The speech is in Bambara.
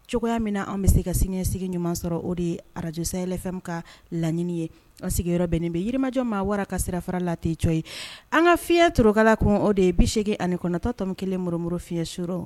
Cogoya min na an bɛ se ka siɲɛsigi ɲuman sɔrɔ o de ye arajsayfɛnw ka laɲini ye o sigiyɔrɔ bɛnnen bɛ yirimajɔ maa wara ka sirafara la ten co ye an ka fiɲɛyɛn tkala kun o de ye bisegin ani kɔnɔnatɔtɔ kelen murumuru fiɲɛyɛn sur rɔ